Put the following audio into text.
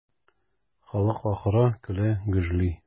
Халык акыра, көлә, гөжли.